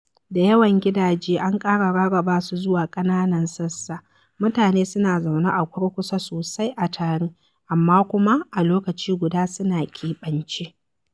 Da yawan gidaje an ƙara rarraba su zuwa ƙananan sassa. Mutane suna zaune a kurkusa sosai a tare, amma kuma a lokaci guda, suna keɓance.